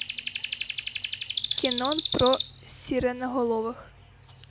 кино про сиреноголовых